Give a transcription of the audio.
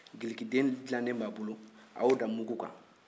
ngilikiden dilannen b'a bolo a y'o da mugu kan